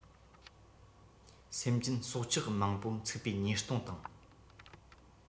སེམས ཅན སྲོག ཆགས མང པོ འཚིགས པའི ཉེས ལྟུང དང